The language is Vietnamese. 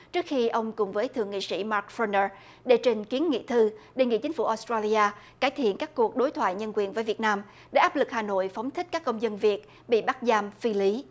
trước khi ông cùng với thượng nghị sĩ mát phôn nơ đệ trình kiến nghị thư đề nghị chính phủ ót trây li a cải thiện các cuộc đối thoại nhân quyền với việt nam để áp lực hà nội phóng thích các công dân việt bị bắt giam phi lý